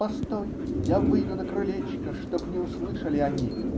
"Постой, я выйду на крылечко, чтоб не услышали они.